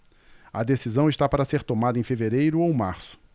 a decisão está para ser tomada em fevereiro ou março